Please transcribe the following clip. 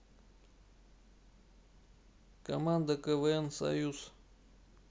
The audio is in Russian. команда квн союз